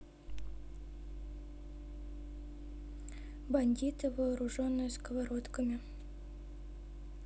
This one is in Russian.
бандиты вооруженные сковородками